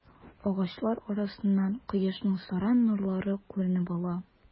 Агачлар арасыннан кояшның саран нурлары күренеп ала.